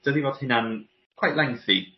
dydi fod hynna'n quite lengthy.